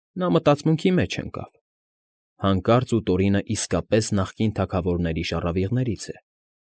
Նա մտածմունքների մեջ ընկավ. հանկարծ Տորինն իսկապես նախկին թագավորների շառավիղներից է։